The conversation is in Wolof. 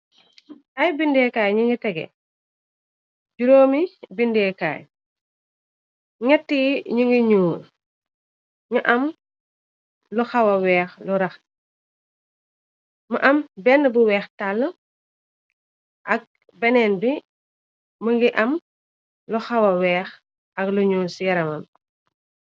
Ay bindeekaay ñi ngi tege, juróomi bindeekaay, ñetti ñi ngi ñuul, ñu am lu xawa weex lu rax , mu am benn bu weex tàll ak beneen bi më ngi am lu xawa weex ak luñu ci yaramam.